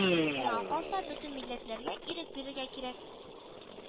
Миңа калса, бөтен милләтләргә ирек бирергә кирәк